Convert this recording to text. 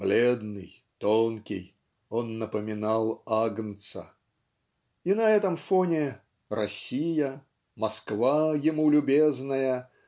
бледный, тонкий, он напоминал агнца". И на этом фоне Россия Москва ему любезная